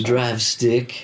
Drive stick?